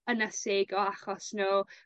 ynysig o achos n'w.